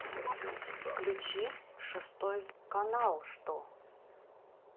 включи шестой канал что